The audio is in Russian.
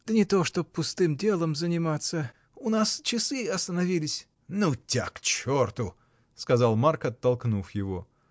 а не то чтоб пустым делом заниматься. У нас часы остановились. — Ну тебя к черту! — сказал Марк, оттолкнув его.